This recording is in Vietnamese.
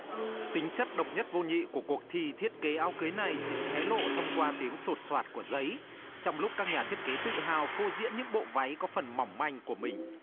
tính chất độc nhất vô nhị của cuộc thi thiết kế áo cưới này chỉ được hé lộ thông qua tiếng sột soạt của giấy trong lúc các nhà thiết kế tự hào phô diễn những bộ váy có phần mỏng manh của mình